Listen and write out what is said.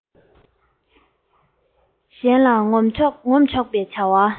གཞན ལ ངོམ ཆོག པའི བྱ བ